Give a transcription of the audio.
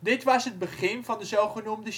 Dit was het begin van de zogenoemde champagnejaren